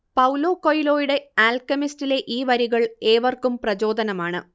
Paulo കൊയ്ലോയുടെ ആൽക്കെമിസ്റ്റിലെ ഈ വരികൾ ഏവർക്കും പ്രചോദനമാണ്